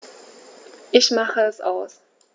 Ich mache es aus.